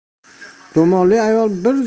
ro'molli ayol bir